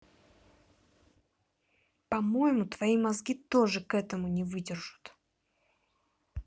по моему твои мозги тоже к этому не выдержут